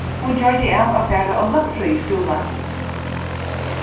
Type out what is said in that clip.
hon gjørdi av at fara á løgfrøðiskúla